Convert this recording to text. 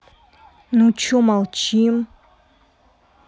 ну че молчим